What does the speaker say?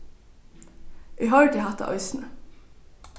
eg hoyrdi hatta eisini